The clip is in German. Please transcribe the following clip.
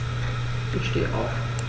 Ich stehe auf.